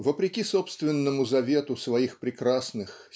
Вопреки собственному завету своих прекрасных